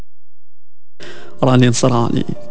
اغاني صنعاني